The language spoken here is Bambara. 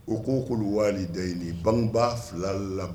bangeba fila lamɔ